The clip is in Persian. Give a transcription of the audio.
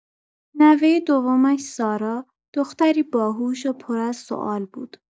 نوۀ دومش سارا، دختری باهوش و پر از سوال بود.